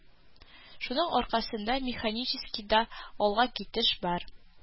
Шуның аркасында механическийда алга китеш бар